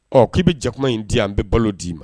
Ɔ k'i bɛ jakuma in di an bɛ balo d'i ma